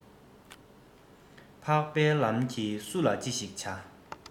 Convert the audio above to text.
འཕགས པའི ལམ གྱིས སུ ལ ཅི ཞིག བྱ